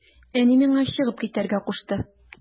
Әни миңа чыгып китәргә кушты.